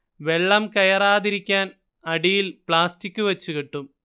വെള്ളം കയറാതിരിക്കാൻ അടിയിൽ പ്ലാസ്റ്റിക് വച്ചുകെട്ടും